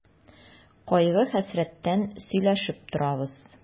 Кайгы-хәсрәттән сөйләшеп торабыз.